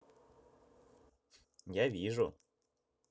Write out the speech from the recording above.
я вижу